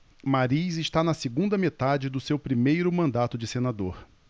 mariz está na segunda metade do seu primeiro mandato de senador